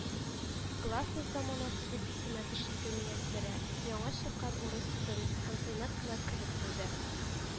—гластность заманасы,—дип исенә төшерде мияссәрә яңа чыккан урыс сүзен һәм тыйнак кына көлеп куйды